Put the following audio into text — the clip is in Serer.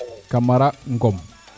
Camara Ngom